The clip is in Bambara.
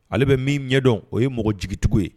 Ale bɛ min ɲɛdɔn o ye mɔgɔ jigitigiw ye